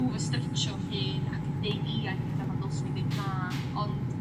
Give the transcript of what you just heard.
over stretchio'n hun ac yn deud ie i petha pan ddylswn ddeud na ond...